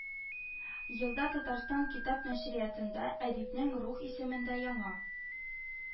Елда татарстан китап нәшриятында әдипнең «рух» исемендә яңа